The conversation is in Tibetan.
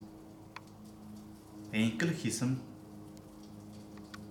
དབྱིན སྐད ཤེས སམ